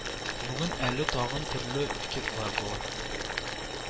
Бүген әле тагын төрле пикетлар була